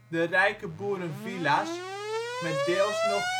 de rijke boerenvilla 's met deels nog